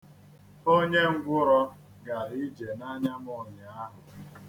Onye ngwụrọ gara ije n'anya m ụnyaahụ.